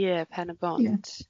Ie, Pen y Bont.